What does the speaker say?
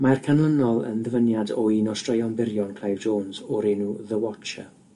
Mae'r canlynol yn ddyfyniad o un o straeon byrion Clive Jones o'r enw The Watcher.